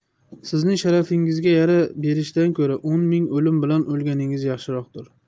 sizning sharafingizga yara berishdan ko'ra o'n ming o'lim bilan o'lganingiz yaxshiroqdir